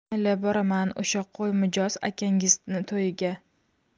mayli boraman o'sha qo'ymijoz akangizning to'yiga